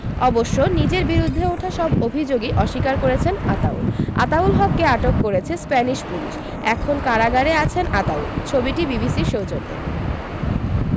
অবশ্য নিজের বিরুদ্ধে ওঠা সব অভিযোগই অস্বীকার করেছেন আতাউল আতাউল হককে আটক করেছে স্প্যানিশ পুলিশ এখন কারাগারে আছেন আতাউল ছবিটি বিবিসির সৌজন্যে